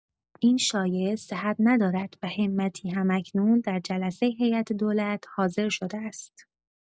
این شایعه صحت ندارد و همتی هم‌اکنون در جلسه هیئت‌دولت حاضر شده است.